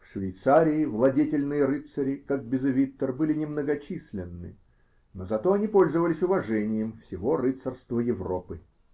В Швейцарии владетельные рыцари, как Безевиттер, были немногочисленны, но зато они пользовались уважением всего рыцарства Европы.